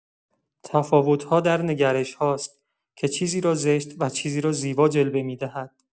تفاوت‌ها در نگرش‌هاست که چیزی را زشت و چیزی را زیبا جلوه می‌دهد.